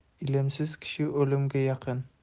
ilmsiz kishi o'limga yaqin